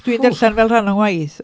Dwi'n darllen fel rhan o'n ngwaith.